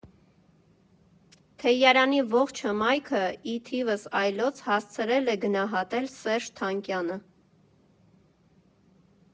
Թեյարանի ողջ հմայքը ի թիվս այլոց հասցրել է գնահատել Սերժ Թանգյանը.